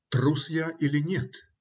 -------------- Трус я или нет?